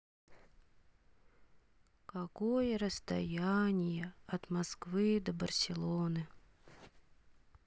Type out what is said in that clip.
какое расстояние от москвы до барселоны